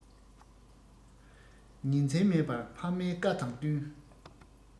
ཉིན མཚན མེད པ ཕ མའི བཀའ དང བསྟུན